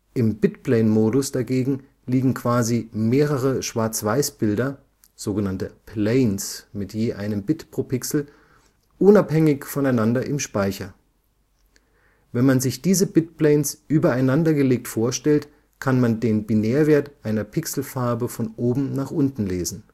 Im Bitplane-Modus dagegen liegen quasi mehrere Schwarzweißbilder („ planes “mit je einem Bit pro Pixel) unabhängig voneinander im Speicher. Wenn man sich diese Bitplanes übereinandergelegt vorstellt, kann man den Binärwert einer Pixelfarbe von oben nach unten lesen